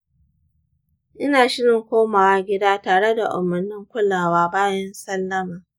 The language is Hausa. ina shirin komawa gida tare da umarnin kulawa bayan sallama.